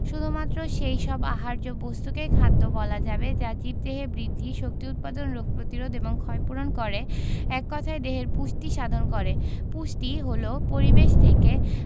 পুষ্টিবিজ্ঞান অনুসারে আমরা যা খাই তার সবই কিন্তু খাদ্য নয় শুধুমাত্র সেই সব আহার্য বস্তুকেই খাদ্য বলা যাবে যা জীবদেহে বৃদ্ধি শক্তি উৎপাদন রোগ প্রতিরোধ এবং ক্ষয়পূরণ করে এক কথায় দেহের পুষ্টি সাধন করে পুষ্টি হলো পরিবেশ থেকে